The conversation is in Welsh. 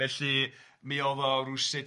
...felly mi oedd o rwsut